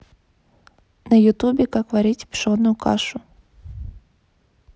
на ютубе как варить пшенную кашу